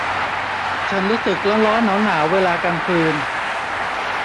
ฉันรู้สึกร้อนร้อนหนาวหนาวเวลากลางคืน